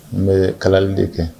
N bɛ kalali de kɛ